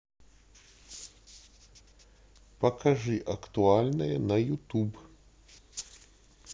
покажи актуальное на ютуб